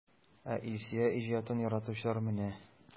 Ә Илсөя иҗатын яратучылар менә!